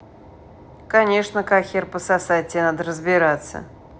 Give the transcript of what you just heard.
конечно как хер пососать тебе надо разбираться